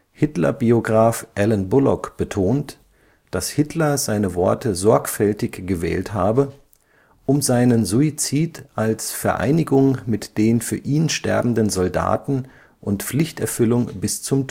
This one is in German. Hitler-Biograf Alan Bullock betont, dass Hitler seine Worte sorgfältig gewählt habe, um seinen Suizid als Vereinigung mit den für ihn sterbenden Soldaten und Pflichterfüllung bis zum